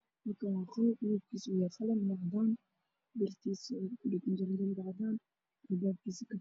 Halkan waa qol midab kiisu yahy cadaan albaab kiisu yahy cafee